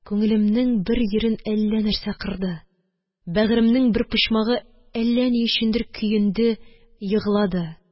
Күңелемнең бер йирен әллә нәрсә кырды, бәгыремнең бер почмагы әллә ни өчендер көенде, еглады.